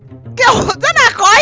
kiểu rất là khó